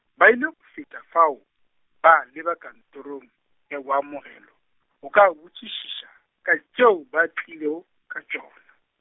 ba ile go feta fao, ba leba kantorong, ya boamogelo , go ka botšišiša, ka tšeo ba tlilego, ka tšona.